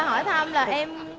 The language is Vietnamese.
hỏi thăm là em